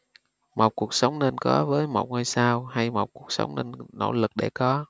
một cuộc sống nên có với một ngôi sao hay một cuộc sống nên nỗ lực để có